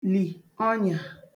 lì ọnyà